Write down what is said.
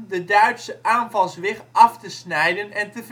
Duitse aanvalswig af te snijden en te vernietigen